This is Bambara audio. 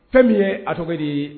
Fɛn min ye atodi ye